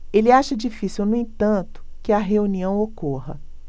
ele acha difícil no entanto que a reunião ocorra